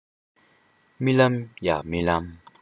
རྨི ལམ ཡ རྨི ལམ